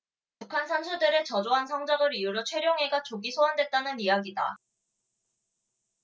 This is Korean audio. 북한 선수들의 저조한 성적을 이유로 최룡해가 조기 소환됐다는 이야기다